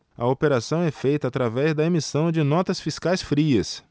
a operação é feita através da emissão de notas fiscais frias